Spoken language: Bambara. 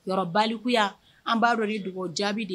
Yɔrɔbalikuya an b'a dɔn ni dugawu jaabi de ye